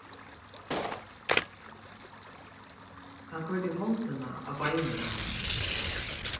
hann koyrdi hondina á beinið á henni